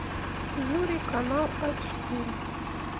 юрий канал а четыре